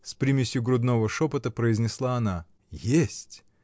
— с примесью грудного шепота произнесла она. — Есть!